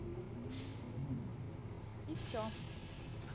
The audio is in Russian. и все